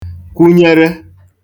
kwunyere